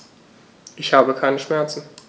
Ich habe keine Schmerzen.